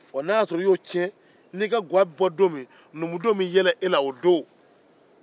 n'a y'a sɔrɔ i y'o tiɲɛ ni i ka ga bɛ bɔ don min numudenw bɛ yɛlɛ e la o don